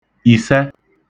ìsẹ